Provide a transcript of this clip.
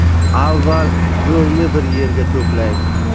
avval go'ngni bir yerga to'plang